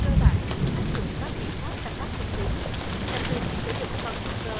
cơ bản áp dụng các biện pháp canh tác tiên tiến đặc biệt sử dụng phân hữu cơ